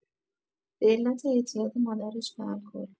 به‌علت اعتیاد مادرش به الکل